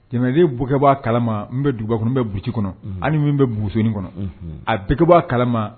Jamanaden bɛɛ ka bɔ a kalama min bɛ duguba kɔnɔ min bɛ brousse kɔnɔ hali min bɛ bugusonin kɔnɔ a bɛɛ ka bɔ a kalama